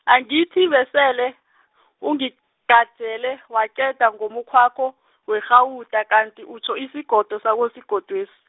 angithi besele , ungigalaje waqeda ngomukhwakho, werhawuda kanti utjho isigodo sakosigodwes-.